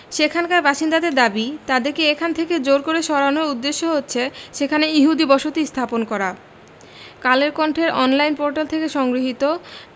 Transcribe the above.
সেখানকার বাসিন্দাদের দাবি তাদেরকে এখান থেকে জোর করে সরানোর উদ্দেশ্য হচ্ছে সেখানে ইহুদি বসতি স্থাপন করা কালের কন্ঠের অনলাইন পোর্টাল থেকে সংগৃহীত